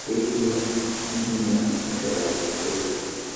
beth yw eich cynlluniau ar gyfer y dyfodol?